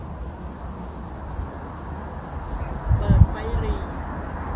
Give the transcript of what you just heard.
เปิดไฟหรี่